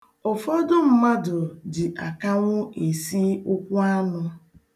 Ụfọdụ mmadụ ji akanwụ esi ụkwụ anụ.